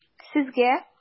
Сезгә?